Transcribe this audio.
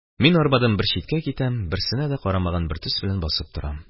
Мин арбадан бер читкә китәм, берсенә дә карамаган бер төс белән басып торам.